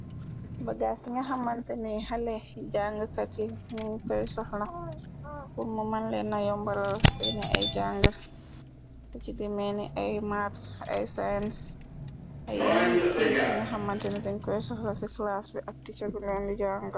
Ba gaas yi nga xamantani xale jàngkat yi niñ koy soxna wurmu mën leen nayombaral seeni ay jang ci dimeni ay mars ay science ay yeneen keyt yi nga xamantani den koy soxla ci class bi ak ti caguneendi jàngo.